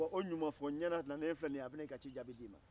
o ɲumanfɔ-n-ɲɛna nalen filɛ nin ye a bɛna i ka ci jaabi d'i ma